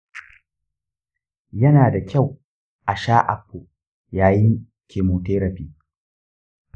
yana da kyau a sha agbo yayin chemotherapy?